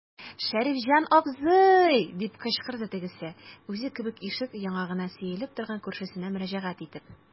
Шәрифҗан абзый, - дип кычкырды тегесе, үзе кебек ишек яңагына сөялеп торган күршесенә мөрәҗәгать итеп.